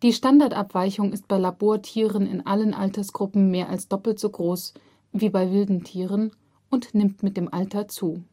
Standardabweichung ist bei Labortieren in allen Altersgruppen mehr als doppelt so groß wie bei wilden Tieren und nimmt mit dem Alter zu